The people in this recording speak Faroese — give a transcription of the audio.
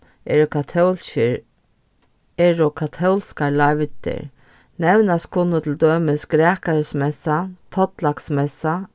eru katólskir eru katólskar leivdir nevnast kunnu til dømis grækarismessa tollaksmessa